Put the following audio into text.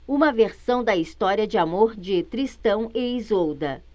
uma versão da história de amor de tristão e isolda